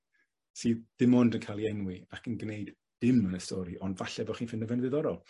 Sydd dim ond yn ca'l 'i enwi ac yn gneud dim yn y stori ond falle bo' chi'n ffindo fe'n ddiddorol.